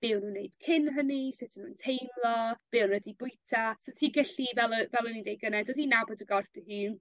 be' o'n nw'n neud cyn hynny sut o' nw'n teimlo be' o' n'w 'di bwyta. So ti gyllu fel yy fel o'n i'n deud gynne dod i nabod dy gorff dy hun,